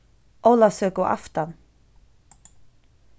ólavsøkuaftan